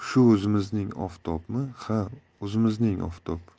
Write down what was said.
ha o'zimizning oftob